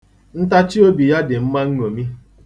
Ntachi obi ya dị mma nṅomi.